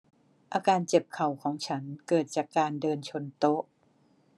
อาการเจ็บเข่าของฉันเกิดจากการเดินชนโต๊ะ